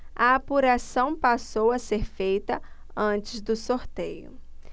a apuração passou a ser feita antes do sorteio